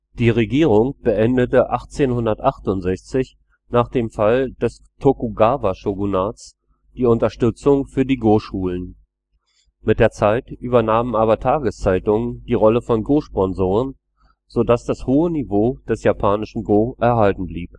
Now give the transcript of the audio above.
Die Regierung beendete 1868, nach dem Fall des Tokugawa-Shogunats, die Unterstützung für die Go-Schulen. Mit der Zeit übernahmen aber Tageszeitungen die Rolle von Go-Sponsoren, sodass das hohe Niveau des japanischen Go erhalten blieb